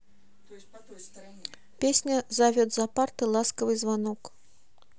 песня зовет за парты ласковый звонок